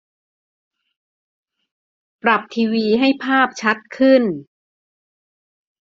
ปรับทีวีให้ภาพชัดขึ้น